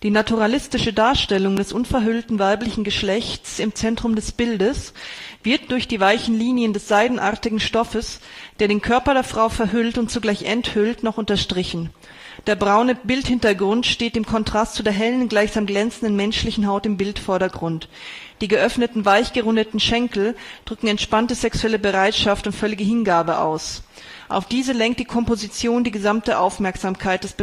naturalistische Darstellung des unverhüllten weiblichen Geschlechts im Zentrum des Bildes wird durch die weichen Linien des seidenartigen Stoffes, der den Körper der Frau verhüllt und zugleich enthüllt, noch unterstrichen. Der braune Bildhintergrund steht im Kontrast zu der hellen, gleichsam glänzenden menschlichen Haut im Bildvordergrund. Die geöffneten, weich gerundeten Schenkel drücken entspannte sexuelle Bereitschaft und völlige Hingabe aus. Auf diese lenkt die Komposition die ganze Aufmerksamkeit